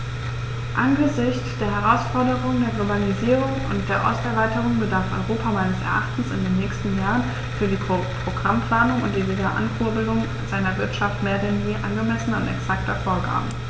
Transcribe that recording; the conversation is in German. Angesichts der Herausforderung der Globalisierung und der Osterweiterung bedarf Europa meines Erachtens in den nächsten Jahren für die Programmplanung und die Wiederankurbelung seiner Wirtschaft mehr denn je angemessener und exakter Vorgaben.